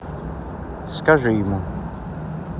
скажи ему